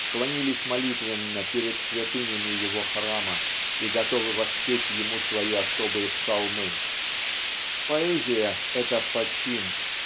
склонились молитвенно перед святынями его храма и готовы воспеть ему свои особые псалмы. Поэзия -- это почин